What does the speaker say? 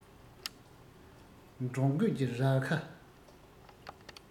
འབྲོང རྒོད ཀྱི རྭ ཁ